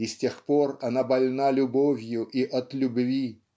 И с тех пор она больна любовью и от любви.